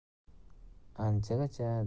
anchagacha doniyorga mo'ltayib